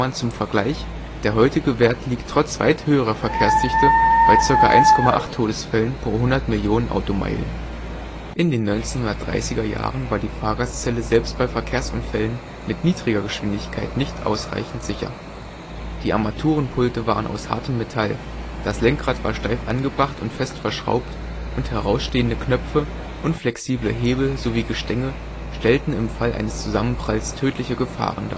zum Vergleich: der heutige Wert liegt trotz weit höherer Verkehrsdichte bei ca. 1,8 Todesfällen pro 100 Millionen Automeilen). In den 1930er Jahren war die Fahrgastzelle selbst bei Verkehrsunfällen mit niedriger Geschwindigkeit nicht ausreichend sicher. Die Armaturenpulte waren aus hartem Metall, das Lenkrad war steif angebracht und fest verschraubt und herausstehende Knöpfe, unflexible Hebel sowie Gestänge stellten im Fall eines Zusammenpralls tödliche Gefahren